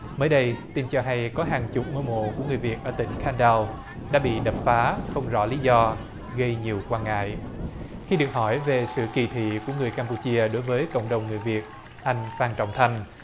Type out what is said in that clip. mới đây từng cho hay có hàng chục ngôi mộ của người việt ở tỉnh khan đao đã bị đập phá không rõ lý do gây nhiều quan ngại khi được hỏi về sự kỳ thị của người cam pu chia đối với cộng đồng người việt anh phan trọng thành